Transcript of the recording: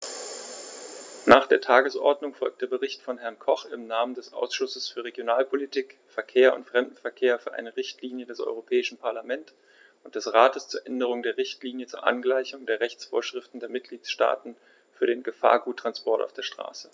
Nach der Tagesordnung folgt der Bericht von Herrn Koch im Namen des Ausschusses für Regionalpolitik, Verkehr und Fremdenverkehr für eine Richtlinie des Europäischen Parlament und des Rates zur Änderung der Richtlinie zur Angleichung der Rechtsvorschriften der Mitgliedstaaten für den Gefahrguttransport auf der Straße.